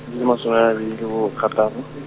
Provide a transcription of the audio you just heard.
di le masome a mabedi le borataro .